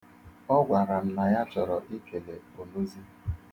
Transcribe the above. Ọ gwara m na ya chọrọ ikele onozi.